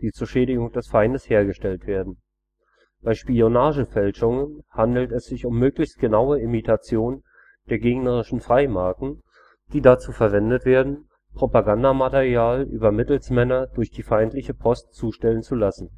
die zur Schädigung des Feindes hergestellt werden. Bei Spionagefälschungen handelt es sich um möglichst genaue Imitation der gegnerischen Freimarken, die dazu verwendet werden, Propagandamaterial über Mittelsmänner durch die feindliche Post zustellen zu lassen